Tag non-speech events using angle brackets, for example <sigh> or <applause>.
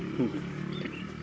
<hesitation> <hesitation> <noise>